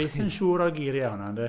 Byth yn siŵr o geiriau honna, ynde?